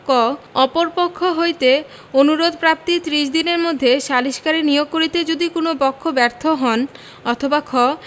ক অপর পক্ষ হইতে অনুরোধ প্রাপ্তির ত্রিশ দিনের মধ্যে সালিসকারী নিয়োগ করিতে যদি কোন পক্ষ ব্যর্থ হন অথবা খ